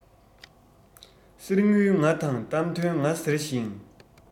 གསེར དངུལ ང དང གཏམ དོན ང ཟེར ཞིང